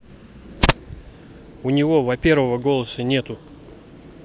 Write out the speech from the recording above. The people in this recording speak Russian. у него во первого голоса нету